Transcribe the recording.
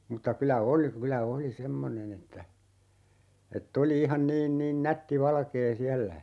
mutta kyllä oli kyllä oli semmoinen että että oli ihan niin niin nätti valkea siellä ja